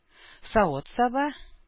Савыт-саба